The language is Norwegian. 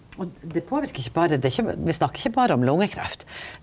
og det påverkar ikkje berre det er ikkje vi snakkar ikkje berre om lungekreft.